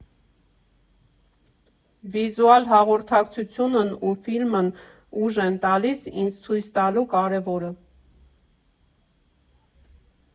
Վիզուալ հաղորդակցությունն ու ֆիլմն ուժ են տալիս ինձ ցույց տալու կարևոը։